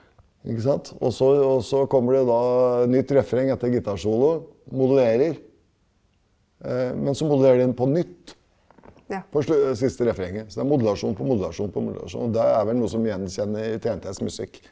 ikke sant også også kommer det jo da nytt refreng etter gitarsolo modulerer men så modulerer den på nytt på siste refrenget så det er modulasjon på modulasjon på modulasjon, og det er vel noe som gjenkjenner TNTs musikk.